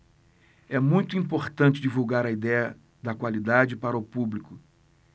é muito importante divulgar a idéia da qualidade para o público